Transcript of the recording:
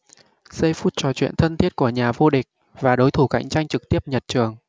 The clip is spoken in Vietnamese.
giây phút trò chuyện thân thiết của nhà vô địch và đối thủ cạnh tranh trực tiếp nhật trường